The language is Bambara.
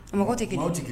Mɔgɔ tɛ kelen tigi